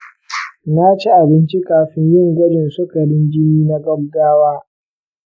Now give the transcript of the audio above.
na ci abinci kafin yin gwajin sukarin jini na gaggwa.